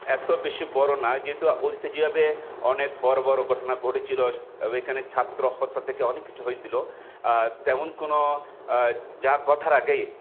এত বেশি বড় না কিন্তু অতীতে যেভাবে অনেক বড় বড় ঘটনা ঘটেছিল এখানে ছাত্র হত্যা থেকে অনেক কিছু হয়েছিল তেমন কোন যা ঘটার আগেই